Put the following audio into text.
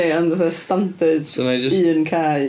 Ie ond fatha standard... So wnai jyst. ...un cae.